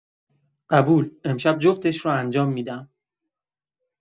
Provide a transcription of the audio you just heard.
قبول، امشب جفتش رو انجام می‌دم.